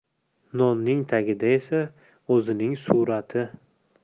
nonning tagida esa o'zining surati